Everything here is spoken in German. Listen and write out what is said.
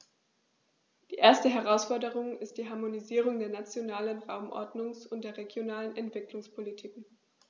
Die erste Herausforderung ist die Harmonisierung der nationalen Raumordnungs- und der regionalen Entwicklungspolitiken.